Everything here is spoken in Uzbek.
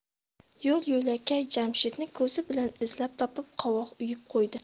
yo'l yo'lakay jamshidni ko'zi bilan izlab topib qovoq uyib qo'ydi